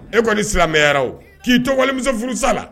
E kɔni ni silamɛyara k'i to walemisɛnf sa la